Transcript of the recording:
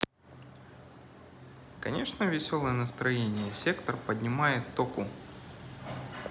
конечно веселое настроение сектор поднимает току